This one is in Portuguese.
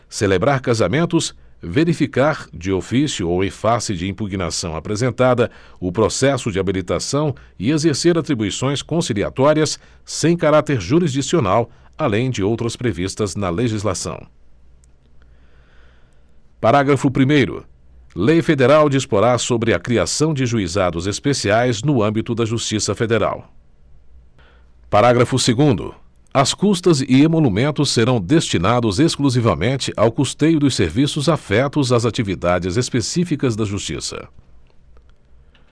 celebrar casamentos verificar de ofício ou em face de impugnação apresentada o processo de habilitação e exercer atribuições conciliatórias sem caráter jurisdicional além de outras previstas na legislação parágrafo primeiro lei federal disporá sobre a criação de juizados especiais no âmbito da justiça federal parágrafo segundo as custas e emolumentos serão destinados exclusivamente ao custeio dos serviços afetos às atividades específicas da justiça